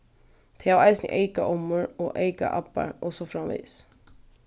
tey hava eisini eyka ommur og eyka abbar og so framvegis